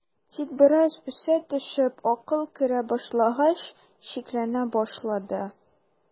Тик бераз үсә төшеп акыл керә башлагач, шикләнә башлады.